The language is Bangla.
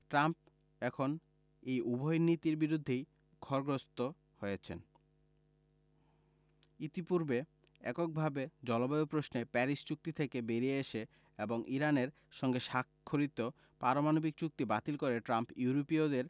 ট্রাম্প এখন এই উভয় নীতির বিরুদ্ধেই খড়গহস্ত হয়েছেন ইতিপূর্বে এককভাবে জলবায়ু প্রশ্নে প্যারিস চুক্তি থেকে বেরিয়ে এসে এবং ইরানের সঙ্গে স্বাক্ষরিত পারমাণবিক চুক্তি বাতিল করে ট্রাম্প ইউরোপীয়দের